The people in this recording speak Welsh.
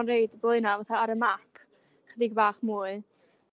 reid Blaena' fatha' ar y map 'chydig bach mwy